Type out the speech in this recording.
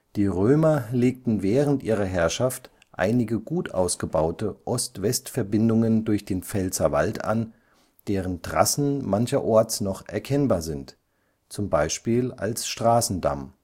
Die Römer legten während ihrer Herrschaft einige gut ausgebaute Ost-West-Verbindungen durch den Pfälzerwald an, deren Trassen mancherorts noch erkennbar sind, z. B. als Straßendamm